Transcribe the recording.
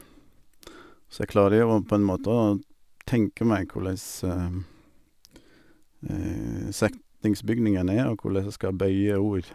Så jeg klarer jo å på en måte å tenke meg korleis setningsbygningen er, og korleis jeg skal bøye ord.